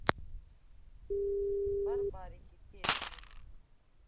барбарики песни